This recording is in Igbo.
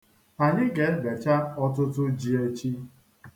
Anyị ga-ebecha ọtụtụ ji echi.